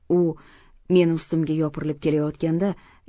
u meni ustimga yopirilib kelayotganda